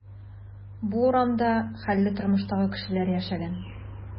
Бу урамда хәлле тормыштагы кешеләр яшәгән.